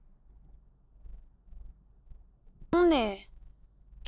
བྱེའུ ཚང ནས